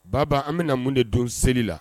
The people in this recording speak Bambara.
Baba an bɛna mun de dun seli la